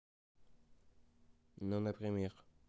ну например